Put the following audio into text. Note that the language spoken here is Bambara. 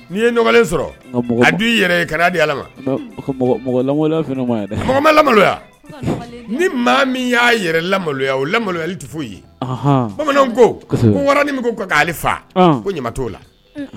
N'i ye nɔgɔnlen sɔrɔ a dun i yɛrɛ ye kan'a di Ala ma mais ko mɔgɔ mɔgɔ lamaloya fɛnɛ maɲi dɛ mɔgɔ ma lamaloya ni maa min y'a yɛrɛ lamaloya o lamaloyali ti foyi ye anhan bamananw ko kpsɛbɛ ko waranin min ko ko k'ale faa anh ko ɲama t'o la un